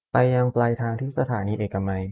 ไปยังปลายทางที่สถานีเอกมัย